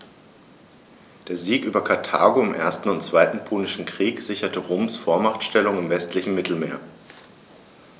Der Sieg über Karthago im 1. und 2. Punischen Krieg sicherte Roms Vormachtstellung im westlichen Mittelmeer.